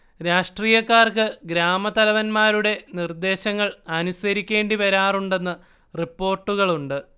രാഷ്ട്രീയക്കാർക്ക് ഗ്രാമത്തലവന്മാരുടെ നിർദ്ദേശങ്ങൾ അനുസരിക്കേണ്ടിവരാറുണ്ടെന്ന് റിപ്പോർട്ടുകളുണ്ട്